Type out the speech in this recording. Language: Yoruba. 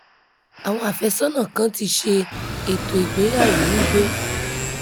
Àwọn àfẹ́sọ́nà kan ti ṣe ètò ìgbéyàwó níbé.